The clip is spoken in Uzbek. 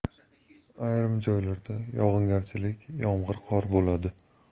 ayrim joylarda yog'ingarchilik yomg'ir qor bo'ladi